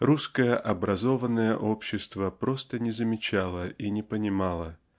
русское "образованное" общество просто не замечало и не понимало